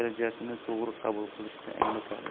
darajasini to'g'ri qabul qilishini anglatadi